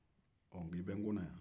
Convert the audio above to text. nk i bɛ n kɔnɔ yan